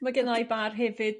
Mae gynna'i bar hefyd